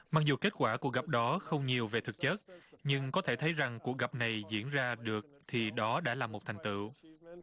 mặc dù kết quả cuộc gặp đó không nhiều về thực chất nhưng có thể thấy rằng cuộc gặp này diễn ra được thì đó đã là một thành tựu